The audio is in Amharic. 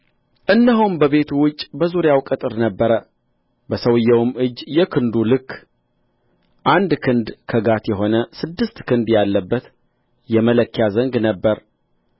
እነሆም በቤቱ ውጭ በዙሪያው ቅጥር ነበረ በሰውዬውም እጅ የክንዱ ልክ አንድ ክንድ ከጋት የሆነ ስድስት ክንድ ያለበት የመለኪያ ዘንግ ነበረ